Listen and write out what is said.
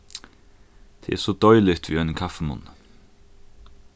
tað er so deiligt við einum kaffimunni